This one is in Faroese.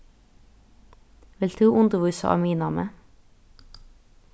vilt tú undirvísa á miðnámi